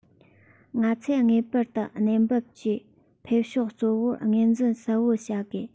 ཚང མས ངེས པར དུ གནས བབ ཀྱི འཕེལ ཕྱོགས གཙོ བོ ངོས འཛིན གསལ པོ བྱ དགོས